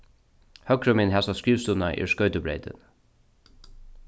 høgrumegin hasa skrivstovuna er skoytubreytin